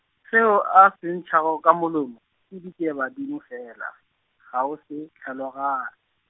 seo a se ntšhago ka molomo, ke ditšiebadimo fela, ga o se hlaloga-.